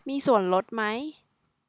มีส่วนลดไหม